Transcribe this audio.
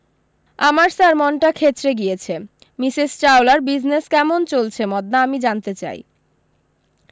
আমার স্যার মনটা খেঁচড়ে গিয়েছে মিসেস চাওলার বিজনেস কেমন চলছে মদনা আমি জানতে চাই